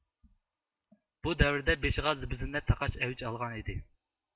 بۇ دەۋردە بېشىغا زىببۇ زىننەت تاقاش ئەۋج ئالغان ئىدى